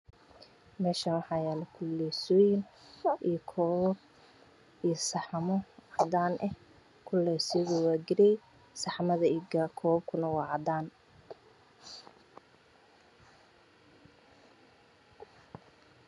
Me Shan waxa yalo Kululeysoyin iya kobab iyo saxaman cadaan ah Kululeysoyin ka wa garey saxamada iyo kobabkuna wa cadan